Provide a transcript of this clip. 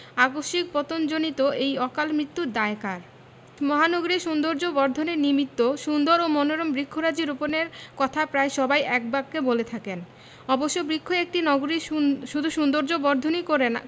আকস্মিক পতনজনিত এই অকালমৃত্যুর দায় কার মহানগরীর সৌন্দর্যবর্ধনের নিমিত্ত সুন্দর ও মনোরম বৃক্ষরাজি রোপণের কথা প্রায় সবাই একবাক্যে বলে থাকেন অবশ্য বৃক্ষ একটি নগরীর শুধু সৌন্দর্যবর্ধনই করে না